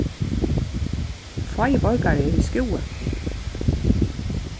fáir borgarar eru í skúvoy